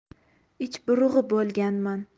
ich burug'i bo'lganman